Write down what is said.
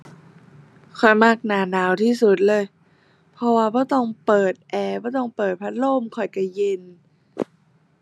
ข้อยมักหน้าหนาวที่สุดเลย เพราะว่าบ่ต้องเปิดแอร์ บ่ต้องเปิดพัดลมข้อยก็เย็น